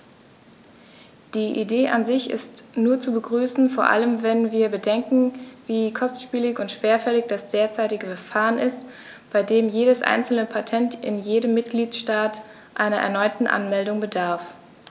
Die Idee an sich ist nur zu begrüßen, vor allem wenn wir bedenken, wie kostspielig und schwerfällig das derzeitige Verfahren ist, bei dem jedes einzelne Patent in jedem Mitgliedstaat einer erneuten Anmeldung bedarf.